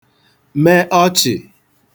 me ọchị̀